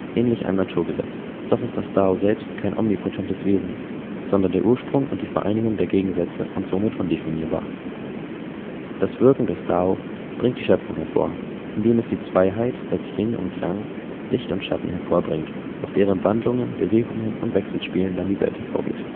ähnlich einem Naturgesetz, doch ist das Dao selbst kein omnipotentes Wesen, sondern der Ursprung und die Vereinigung der Gegensätze und somit undefinierbar. Das Wirken des Dao bringt die Schöpfung hervor, indem es die Zweiheit, das Yin und das Yang, Licht und Schatten hervorbringt, aus deren Wandlungen, Bewegungen und Wechselspielen dann die Welt hervorgeht